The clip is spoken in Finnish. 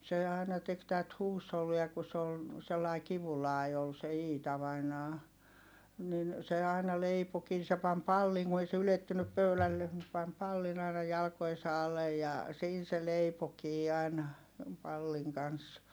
se aina teki tätä huushollia kun se oli sellainen kivullainen oli se Iita vainaja niin se aina leipoikin niin se pani pallin kun ei se ylettynyt pöydälle se pani pallin aina jalkojensa alle ja siinä se leipoikin aina pallin kanssa